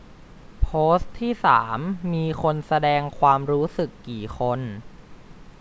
โพสต์ที่สามมีคนแสดงความรู้สึกกี่คน